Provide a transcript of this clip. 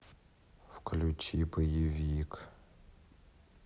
включи боевик